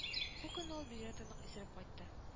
Бу көнне ул бигрәк тә нык исереп кайтты